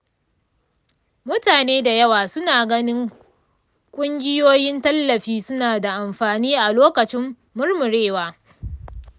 mutane da yawa suna ganin ƙungiyoyin tallafi suna da amfani a lokacin murmurewa.